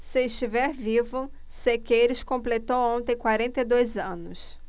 se estiver vivo sequeiros completou ontem quarenta e dois anos